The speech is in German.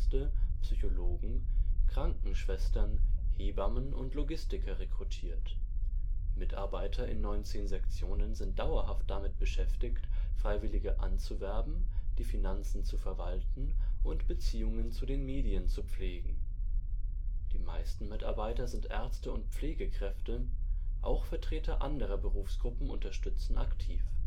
Psychologen, Krankenschwestern, Hebammen und Logistiker rekrutiert. Mitarbeiter in 19 Sektionen sind dauerhaft damit beschäftigt, Freiwillige anzuwerben, die Finanzen zu verwalten und Beziehungen zu den Medien zu pflegen. Die meisten Mitarbeiter sind Ärzte und Pflegekräfte; auch Vertreter anderer Berufsgruppen unterstützen aktiv